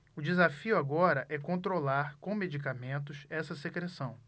o desafio agora é controlar com medicamentos essa secreção